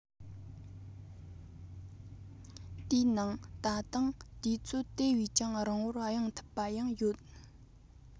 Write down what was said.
དེའི ནང ད དུང དུས ཚོད དེ བས ཀྱང རིང པོར གཡེང ཐུབ པ ཡང ཡོད